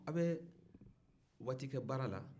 aw bɛ waati kɛ baara la